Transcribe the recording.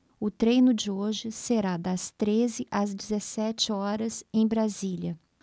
o treino de hoje será das treze às dezessete horas em brasília